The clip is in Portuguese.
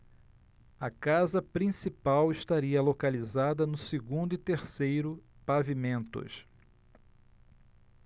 a casa principal estaria localizada no segundo e terceiro pavimentos